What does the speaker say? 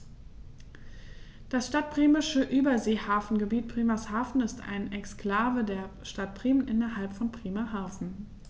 Das Stadtbremische Überseehafengebiet Bremerhaven ist eine Exklave der Stadt Bremen innerhalb von Bremerhaven.